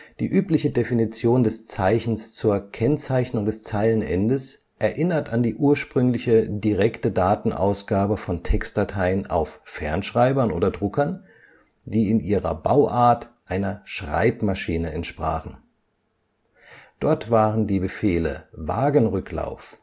Die übliche Definition des Zeichens zur Kennzeichnung des Zeilenendes erinnert an die ursprüngliche direkte Datenausgabe von Textdateien auf Fernschreibern oder Druckern, die in ihrer Bauart einer Schreibmaschine entsprachen. Dort waren die „ Befehle “Wagenrücklauf